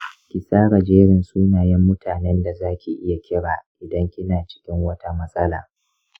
ki tsara jerin sunayen mutanen da za ki iya kira idan kina cikin wata matsala.